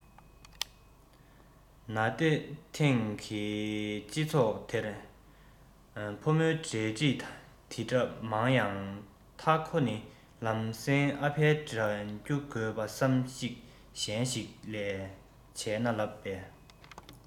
ན ཏེ དེང གི སྤྱི ཚོགས དེར ཕོ མོའི འབྲེལ འདྲིས འདི འདྲ མང ཡང མཐའ ཁོ ནི ལམ སེང ཨ ཕའི དྲན རྒྱུ དགོས པ བསམ གཞིག གཞན ཞིག བྱས ན ལབ པས